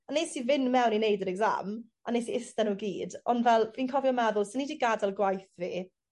On' nes i fyn' mewn i neud yr exam a nes i iste n'w gyd ond fel fi'n cofio meddwl swn i 'di gadel gwaith fi